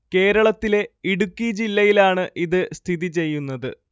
കേരളത്തിലെ ഇടുക്കി ജില്ലയിലാണ് ഇത് സ്ഥിതി ചെയ്യുന്നത്